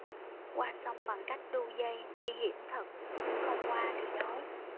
qua sông bằng cách đu dây nguy hiểm thật nhưng không qua thì đói